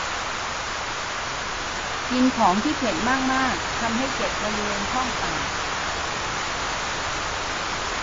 กินของที่เผ็ดมากมากทำให้เจ็บบริเวณช่องปาก